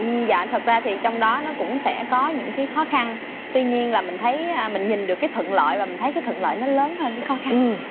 dạ thật ra thì trong đó nó cũng sẽ có những khi khó khăn tuy nhiên là mình thấy mình nhìn được cái thuận lợi và mình thấy cái thuận lợi nó lớn hơn cái khó khăn